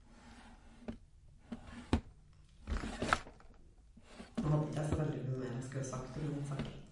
Da hadde ikke jeg så veldig mye mer jeg skulle ha sagt om den saken.